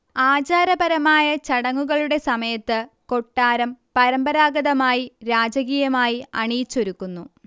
ആചാരപരമായ ചടങ്ങുകളുടെ സമയത്ത് കൊട്ടാരം പരമ്പരാഗതമായി രാജകീയമായി അണിയിച്ചൊരക്കുന്നു